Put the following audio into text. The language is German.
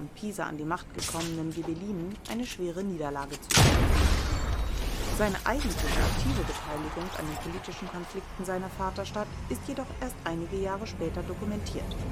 Pisa an die Macht gekommenen Ghibellinen eine schwere Niederlage zufügten. Seine eigentliche aktive Beteiligung an den politischen Konflikten seiner Vaterstadt ist jedoch erst einige Jahre später dokumentiert